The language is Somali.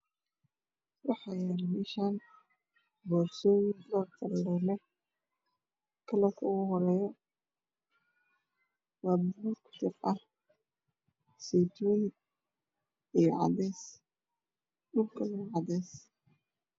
Waxaa yaalo meshan borsoyin kalan nooc ah kalarka uhoreeyo waa paluug iyo saytuun iyo cadees dhulkana waa cadees